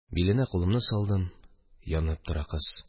Биленә кулымны салдым – янып тора кыз